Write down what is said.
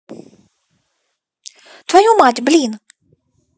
твою мать блин